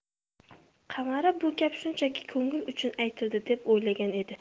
qamara bu gap shunchaki ko'ngil uchun aytildi deb o'ylagan edi